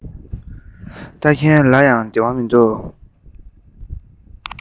ལྟ མཁན ལ ཡང བདེ བ མི འདུག